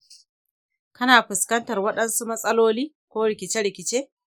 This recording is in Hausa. kana fuskantar wasu matsaloli ko rikice-rikice?